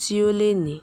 tí ó le ní.